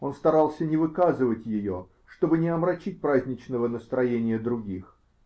Он старался не выказывать ее, чтобы не омрачить праздничного настроения других